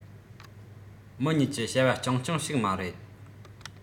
མི གཉིས ཀྱི བྱ བ རྐྱང རྐྱང ཞིག མ རེད